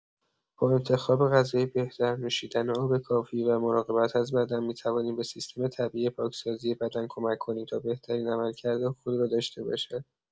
با انتخاب غذای بهتر، نوشیدن آب کافی و مراقبت از بدن، می‌توانیم به سیستم طبیعی پاکسازی بدن کمک کنیم تا بهترین عملکرد خود را داشته باشد.